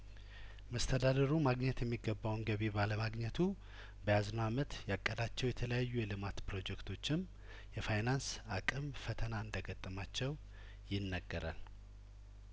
መስተዳድሩ ማግኘት የሚገባውን ገቢ ባለማግኘቱ በያዝነው አመት ያቀዳቸው የተለያዩ የልማት ፕሮጀክቶችም የፋይናንስ አቅም ፈተና እንደገጠማቸው ይነገራል